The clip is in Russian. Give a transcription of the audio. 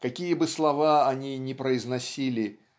какие бы слова они ни произносили